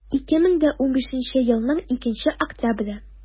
2015 елның 2 октябре